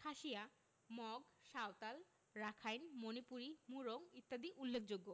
খাসিয়া মগ সাঁওতাল রাখাইন মণিপুরী মুরং ইত্যাদি উল্লেখযোগ্য